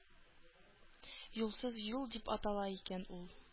«юлсыз юл» дип атала икән ул.